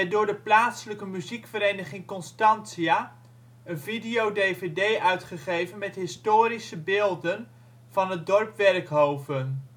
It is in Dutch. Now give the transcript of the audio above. door de plaatselijke Muziekvereniging Constantia een video/dvd uitgegeven met historische beelden van het dorp Werkhoven